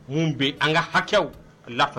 Mun bɛ an ka hakɛw a la